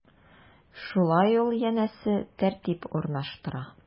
Шулай ул, янәсе, тәртип урнаштыра.